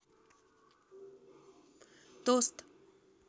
тост